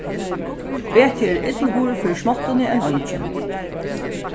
betri er ill hurð fyri smáttuni enn eingin